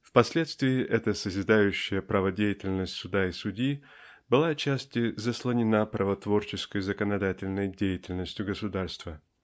Впоследствии эта созидающая право деятельность суда и судьи была отчасти заслонена правотворческой законодательной деятельностью государства.